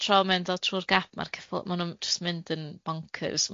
tro ma'n dod trw'r gap ma'r ceffyl- ma' nw jyst yn mynd yn bncyrs.